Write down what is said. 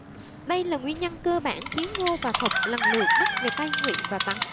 đây là nguyên nhân cơ bản khiến ngô và thục lần lượt mất về tay ngụy và tấn